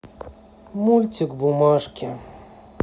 мультик бумажки